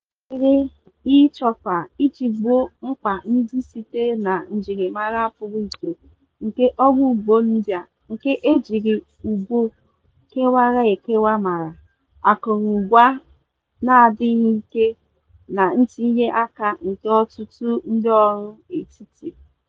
E hiwere e Choupal iji gboo mkpa ndị sitere na njirimara pụrụ iche nke ọrụugbo India, nke e jiri ugbo kewara ekewa mara, akụrụngwa n'adịghị ike na ntinye aka nke ọtụtụ ndịọrụ etiti…